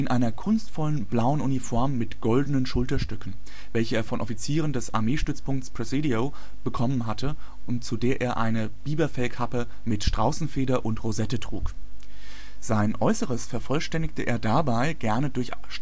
einer kunstvollen blauen Uniform mit goldenen Schulterstücken, welche er von Offizieren des Armeestützpunkts Presidio bekommen hatte und zu der er eine Biberfellkappe mit Straußenfeder und Rosette trug. Sein Äußeres vervollständigte er dabei gerne durch